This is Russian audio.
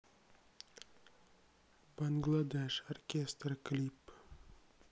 бангладеш оркестр клип